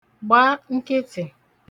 gba nkịtị̀